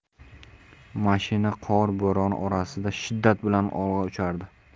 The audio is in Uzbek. mashina qor bo'roni orasida shiddat bilan olg'a uchardi